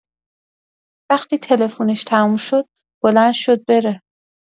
وقتی تلفنش تموم شد، بلند شد بره.